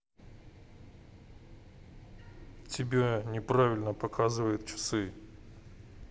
тебя неправильно показывает часы